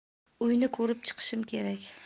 uyni ko'rib chiqishim kerak